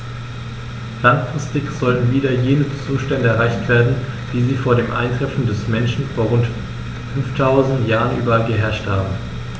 Langfristig sollen wieder jene Zustände erreicht werden, wie sie vor dem Eintreffen des Menschen vor rund 5000 Jahren überall geherrscht haben.